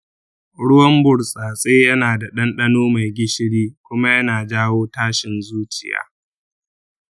ruwan burtsatse yana da ɗanɗano mai gishiri kuma yana jawo tashin zuciya.